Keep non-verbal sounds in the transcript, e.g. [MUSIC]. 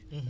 [HESITATION] [HESITATION]